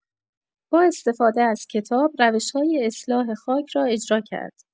با استفاده از کتاب، روش‌های اصلاح خاک را اجرا کرد.